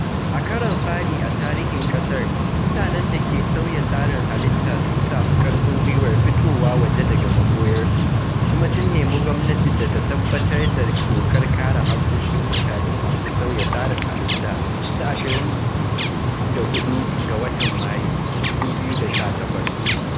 A karon fari a tarihin ƙasar, mutanen da ke sauya tsarin halitta sun sami ƙarfin guiwar fitowa waje daga maɓoyarsu kuma sun nemi gwamnati ta tabbatar da Dokar(Kare Haƙƙoƙin) Mutane masu Sauya Tsarin Halitta ta 24 ga Mayu, 2018.